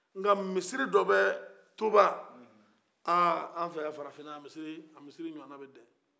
nka misiri dɔ bɛ tuba aa an fɛ yan farafinna aa misiri ɲɔgɔnna ma can